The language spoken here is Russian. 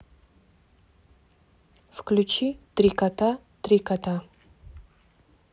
включи три кота три кота